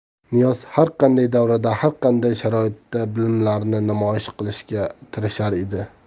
niyoz har qanday davrada har qanday sharoitda bilimlarini namoyish qilishga tirishar edi